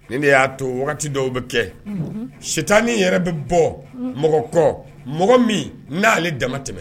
Nin de ya to wagati dɔw bi kɛ ,sitani yɛrɛ bi bɔ mɔgɔ kɔ mɔgɔ min nale dama tɛmɛ